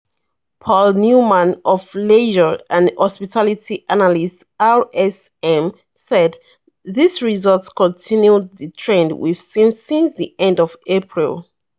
Paul Newman, of leisure and hospitality analysts RSM said: "These results continue the trend we've seen since the end of April.